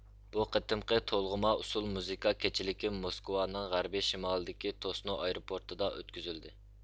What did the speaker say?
بۇ قېتىمقى تولغىما ئۇسسۇل مۇزىكا كېچىلىكى موسكۋانىڭ غەربىي شىمالىدىكى توسنو ئايروپورتىدا ئۆتكۈزۈلگەن